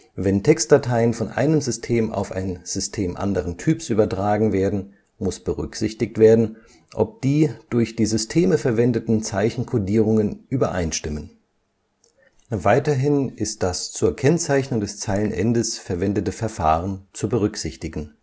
Wenn Textdateien von einem System auf ein System anderen Typs übertragen werden, muss berücksichtigt werden, ob die durch die Systeme verwendeten Zeichencodierungen übereinstimmen. Weiterhin ist das zur Kennzeichnung des Zeilenendes verwendete Verfahren zu berücksichtigen